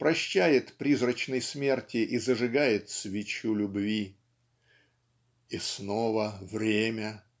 прощает призрачной смерти и зажигает "свечу любви". "И снова время.